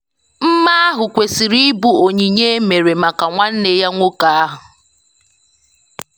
Mma ahụ kwesịrị ịbụ onyinye e mere maka nwanne ya nwoke ahụ.